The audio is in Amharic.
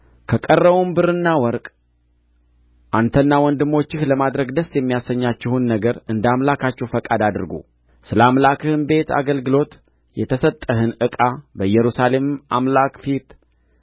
ከቀረውም ብርና ወርቅ አንተና ወንድሞችህ ለማድረግ ደስ የሚያሰኛችሁን ነገር እንደ አምላካችሁ ፈቃድ አድርጉ ስለ አምላክህም ቤት አገልግሎት የተሰጠህን ዕቃ በኢየሩሳሌም አምላክ ፊት